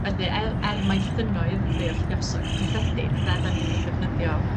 felly, er er mai llynnoedd ydi'r lluosog cyffredin, ynde, 'dan ni'n 'i ddefnyddio